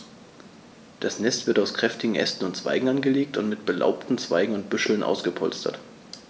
Das Nest wird aus kräftigen Ästen und Zweigen angelegt und mit belaubten Zweigen und Büscheln ausgepolstert.